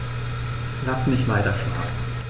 Lass mich weiterschlafen.